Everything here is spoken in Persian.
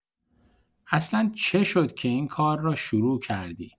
اصلا چه شد که این کار را شروع کردی؟